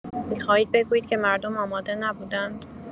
می‌خواهید بگویید که مردم آماده نبودند؟